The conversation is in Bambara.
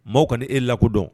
Maaw kana ee lako dɔn